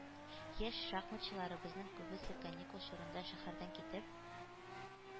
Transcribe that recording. Яшь шахматчыларыбызның күбесе каникул чорында шәһәрдән китеп